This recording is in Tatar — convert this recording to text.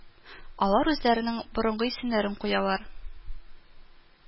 Алар үзләренең борынгы исемнәрен куялар